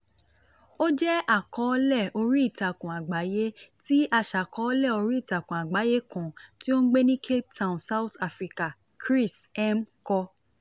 Ó jẹ́ àkọọ́lẹ̀ oríìtakùn àgbáyé tí aṣàkọọ́lẹ̀ oríìtakùn àgbáyé kan tí ó ń gbé ní Cape Town, South Africa, Chris M. kọ.